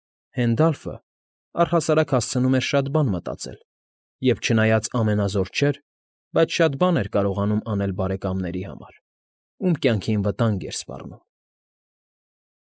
Հենդալֆը, առհասարակ, հասցնում էր շատ բան մտածել և չնայած ամենազոր չէր, բայց շատ բան էր կարողանում անել բարեկաների համար, ում կյանքին վտանգ էր սպառնում։ ֊